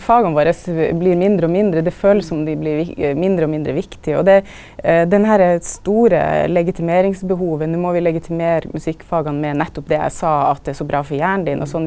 faga våre blir mindre og mindre, det følast som dei blir mindre og mindre viktig, og det den herre store legitimeringsbehovet, no må vi legitimera musikkfaga med nettopp det eg sa at det er så bra for hjernen din og sånn.